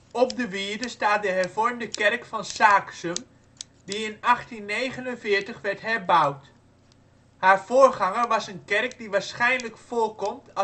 Op de wierde staat de hervormde kerk van Saaksum, die in 1849 werd herbouwd. Haar voorganger was een kerk die waarschijnlijk voorkomt